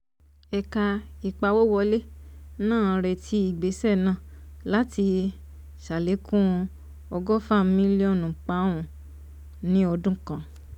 Ẹ̀ka ìpawówọlé náà ń retí ìgbéṣẹ̀ náa láti ṣàlékún £120 million ní ọdún kan.